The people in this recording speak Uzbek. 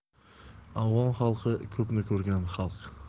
afg'on xalqi ko'pni ko'rgan xalq